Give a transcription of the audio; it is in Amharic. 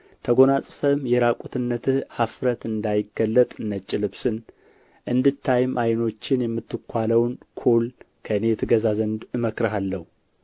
ተጐናጽፈህም የራቁትነትህ ኃፍረት እንዳይገለጥ ነጭ ልብስን እንድታይም ዓይኖችህን የምትኳለውን ኵል ከእኔ ትገዛ ዘንድ እመክርሃለሁ